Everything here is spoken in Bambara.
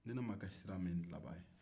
ni ne ma kɛ sira min dilan baa ye